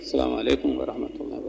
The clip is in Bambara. Salamalekum warahamatulahi wa b